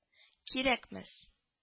— кирәкмәс